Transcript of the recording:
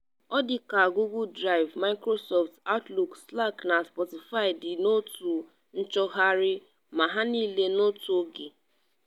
Ọ dị ka Google Drive, Microsoft Outlook, Slack na Spotify dị n’otu nchọgharị ma ha niile n’otu oge.